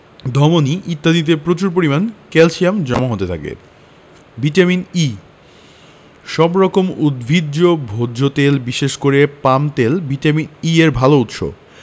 ধমনি ইত্যাদিতে প্রচুর পরিমাণে ক্যালসিয়াম জমা হতে থাকে ভিটামিন E সব রকম উদ্ভিজ্জ ভোজ্য তেল বিশেষ করে পাম তেল ভিটামিন E এর ভালো উৎস